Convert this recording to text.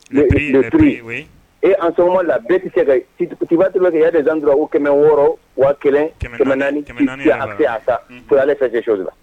Le prix et en ce moment là bɛɛ tɛ se ka tu vas trouver que y'a des endroits ou 600 1000 400 pour aller faire quelque chose .